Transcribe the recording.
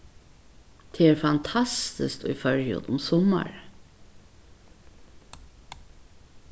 tað er fantastiskt í føroyum um summarið